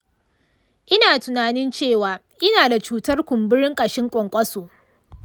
ina tunanin cewa ina da cutar kumburin ƙashin ƙwankwaso.